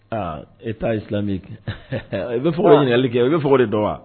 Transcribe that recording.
Aa e t ta ye silamɛ min kɛ i bɛ fɔli kɛ i bɛ fɔ de dɔn wa